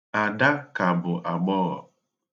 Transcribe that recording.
Ada ka bụ agbọghọ.